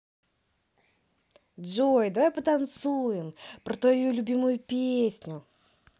джой давай потанцуем про твою любимую песню